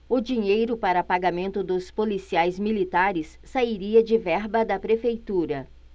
o dinheiro para pagamento dos policiais militares sairia de verba da prefeitura